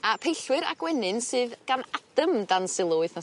a peillwyr a gwenyn sydd gan Adam dan sylw wythnos yma hefyd.